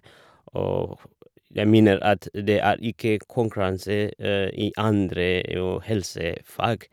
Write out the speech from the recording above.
Og jeg mener at det er ikke konkurranse i andre og helsefag.